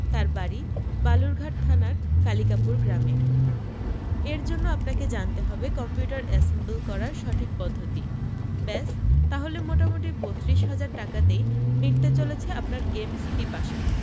তার বাড়ী বালুরঘাট থানার কালিকাপুর গ্রামে এর জন্য আপনাকে জানতে হবে কম্পিউটার অ্যাসেম্বল করার সঠিক পদ্ধতি ব্যস তা হলে মোটামুটি বত্রিশ হাজার টাকাতেই মিটতে চলেছে আপনার গেমস পিপাসা